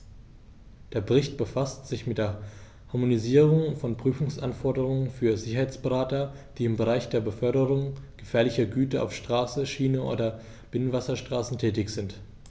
Der Bericht befasst sich mit der Harmonisierung von Prüfungsanforderungen für Sicherheitsberater, die im Bereich der Beförderung gefährlicher Güter auf Straße, Schiene oder Binnenwasserstraße tätig sind.